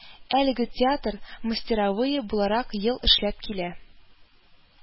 Әлеге театр “Мастеровые” буларак ел эшләп килә